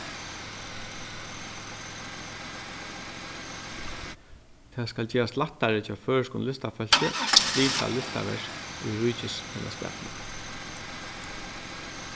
tað skal gerast lættari hjá føroyskum listafólki at flyta listaverk í ríkisfelagsskapinum